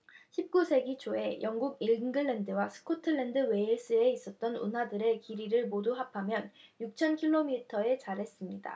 십 구 세기 초에 영국 잉글랜드와 스코틀랜드 웨일스에 있던 운하들의 길이를 모두 합하면 육천 킬로미터에 달했습니다